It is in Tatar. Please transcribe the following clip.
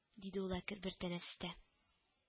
– диде ул әкер тәнәфестә